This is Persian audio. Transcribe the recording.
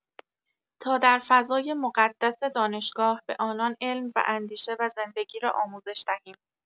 تا در فضای مقدس دانشگاه، به آنان علم و اندیشه و زندگی را آموزش دهیم.